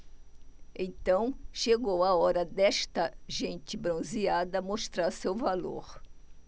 então chegou a hora desta gente bronzeada mostrar seu valor